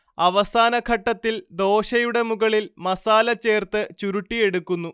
അവസാന ഘട്ടത്തിൽ ദോശയുടെ മുകളിൽ മസാല ചേർത്ത് ചുരുട്ടിയെടുക്കുന്നു